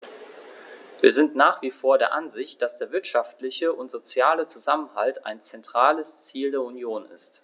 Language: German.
Wir sind nach wie vor der Ansicht, dass der wirtschaftliche und soziale Zusammenhalt ein zentrales Ziel der Union ist.